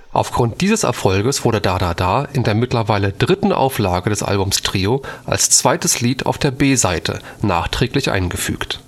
Aufgrund dieses Erfolges wurde Da Da Da in der mittlerweile dritten Auflage des Albums Trio als zweites Lied auf der B-Seite nachträglich eingefügt